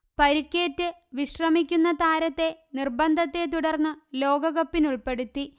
പരുക്കേറ്റ് വിശ്രമിക്കുന്ന താരത്തെ നിർബന്ധത്തെത്തുടർന്ന് ലോകകപ്പിനുൾപ്പെടുത്തി